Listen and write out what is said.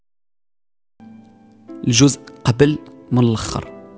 جزء قبل ملخر